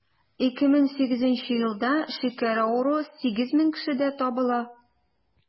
2008 елда шикәр авыруы 8 мең кешедә табыла.